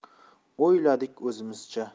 o'yladik o'zimizcha